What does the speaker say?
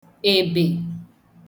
èbè